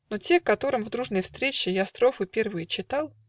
Но те, которым в дружной встрече Я строфы первые читал.